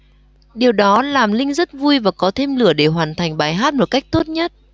điều đó làm linh rất vui và có thêm lửa để hoàn thành bài hát một cách tốt nhất